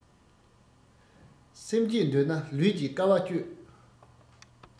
སེམས སྐྱིད འདོད ན ལུས ཀྱིས དཀའ བ སྤྱོད